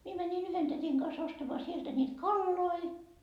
minä menin yhden tädin kanssa ostamaan sieltä niitä kaloja